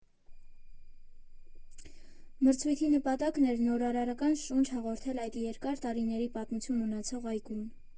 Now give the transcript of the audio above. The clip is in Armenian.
Մրցույթի նպատակն էր նորարարական շունչ հաղորդել այդ երկար տարիների պատմություն ունեցող այգուն։